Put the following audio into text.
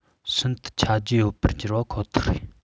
ཤིན ཏུ ཆ རྒྱུས ཡོད པར གྱུར པ ཁོ ཐག རེད